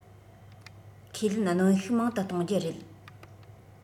ཁས ལེན གནོན ཤུགས མང དུ གཏོང རྒྱུ རེད